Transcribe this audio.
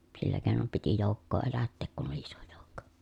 sillä keinoin piti joukkoa elättää kun oli iso joukko